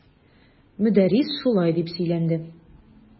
Мөдәррис шулай дип сөйләнде.